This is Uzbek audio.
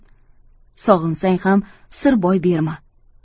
sog'insang ham sir boy berma